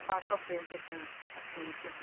Ond ma' coffi'n gwella ansawdd y sgwrs.